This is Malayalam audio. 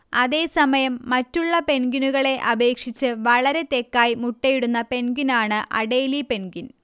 അതേസമയം മറ്റുള്ള പെൻഗ്വിനുകളെ അപേക്ഷിച്ച് വളരെ തെക്കായി മുട്ടയിടുന്ന പെൻഗ്വിനാണ് അഡേലി പെൻഗ്വിൻ